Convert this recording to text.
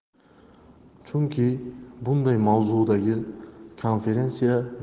chunki bunday mavzudagi konferensiya